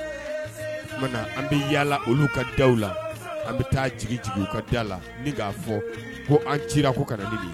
tuma na an bɛ yaala olu ka daw la, an bɛ taa jigin jigin, u ka da la, ni ka fɔ, ko an ci la, ko ka na ni nin ye.